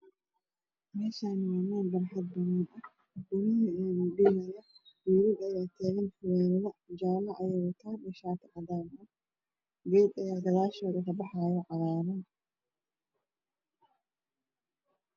Meeshaan waa meel barxad ah banooni ayaa lugu dheela wiilal ayaa taagan oo wato fanaanado jaale ah iyo shaati cadaan ah. Geed ayaa gadaashooda kabaxaayo oo cagaaran.